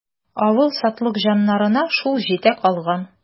Авыл сатлыкҗаннарына шул җитә калган.